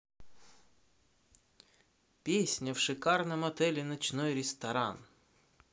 песня в шикарном отеле ночной ресторан